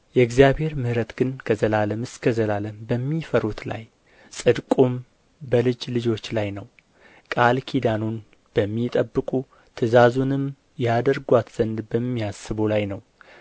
የእግዚአብሔር ምሕረት ግን ከዘላለም እስከ ዘላለም በሚፈሩት ላይ ጽድቁም በልጅ ልጆች ላይ ነው ቃል ኪዳኑን በሚጠብቁ ትእዛዙንም ያደርጉአት ዘንድ በሚያስቡ ላይ ነው